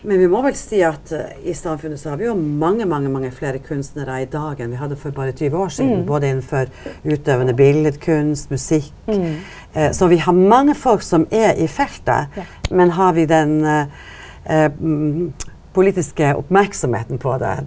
men vi må vel seia at i samfunnet så har vi jo mange mange mange fleire kunstnarar i dag enn vi hadde for berre 20 år sidan, både innanfor utøvande biletkunst, musikk, så vi har mange folk som er i feltet men har vi den politiske merksemda på det?